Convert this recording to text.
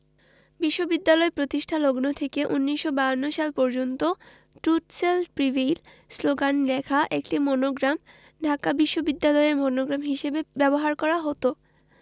বিশ্ববিদ্যালয় প্রতিষ্ঠালগ্ন থেকে ১৯৫২ সাল পর্যন্ত ট্রুত শেল প্রিভেইল শ্লোগান লেখা একটি মনোগ্রাম ঢাকা বিশ্ববিদ্যালয়ের মনোগ্রাম হিসেবে ব্যবহার করা হতো